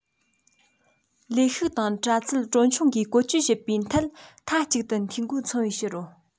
ལས ཤུགས དང པྲ ཚིལ གྲོན ཆུང སྒོས བཀོལ སྤྱོད བྱེད པའི ཐད མཐའ གཅིག ཏུ འཐུས སྒོ ཚང བའི ཕྱིར རོ